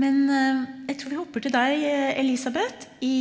men jeg tror vi hopper til deg Elisabeth, i